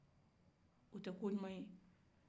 o tɛ ko ɲuman ye